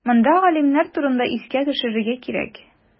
Монда галимнәр турында искә төшерергә кирәк.